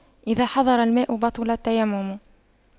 إذا حضر الماء بطل التيمم